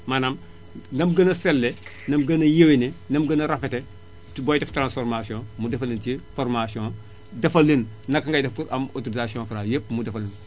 maanaam na mu gën a sellee na mu gën a yéwénee na mu gën a rafetee ci booy def transformation mu defal leen ci formation defal leen naka ngay def pour am am autorisation Fra yépp mu defal leen ko